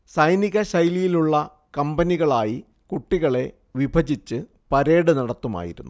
സൈനികശൈലിയിലുള്ള കമ്പനികളായി കുട്ടികളെ വിഭജിച്ച് പരേഡ് നടത്തുമായിരുന്നു